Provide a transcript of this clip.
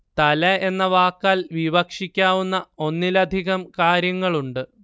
തല എന്ന വാക്കല്‍ വിവക്ഷിക്കാവുന്ന ഒന്നിലധികം കാര്യങ്ങളുണ്ട്